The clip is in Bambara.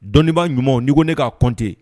Dɔnnibaa ɲumanw ni ko ne ka compte